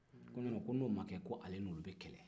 ko n'o ma kɛ ko ale n'o bɛlɛ